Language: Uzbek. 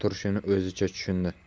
turishini o'zicha tushundi